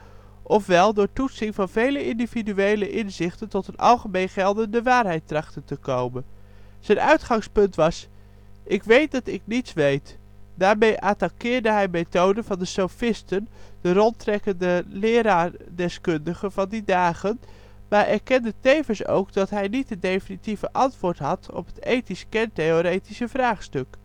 ofwel door toetsing van vele individuele inzichten tot een algemeen geldende waarheid trachtte te komen. Zijn uitgangspunt was " Ik weet dat ik niets weet "; daarmee attaqueerde hij methoden van de Sofisten, de rondtrekkende leraar-deskundigen van die dagen, maar erkende tevens dat ook hij niet het definitieve antwoord had op het ethisch-kentheoretische vraagstuk